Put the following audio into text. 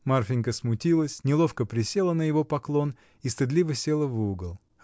Марфинька смутилась, неловко присела на его поклон и стыдливо села в угол.